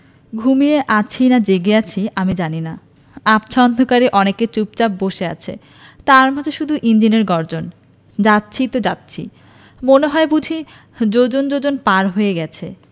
ঘুমিয়ে আছি না জেগে আছি আমি জানি না আবছা অন্ধকারে অনেকে চুপচাপ বসে আছে তার মাঝে শুধু ইঞ্জিনের গর্জন যাচ্ছি তো যাচ্ছি মনে হয় বুঝি যোজন যোজন পার হয়ে গেছে